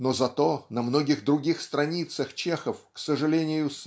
Но зато на многих других страницах Чехов к сожалению